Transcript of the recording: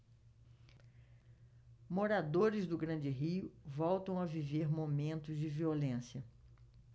moradores do grande rio voltam a viver momentos de violência